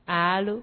Alo